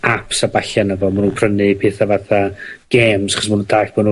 Aps a ballu arno fo, ma' nw'n prynu petha fatha gêms 'chos ma' nw'n dall bo' nw